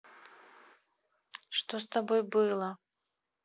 что с тобой было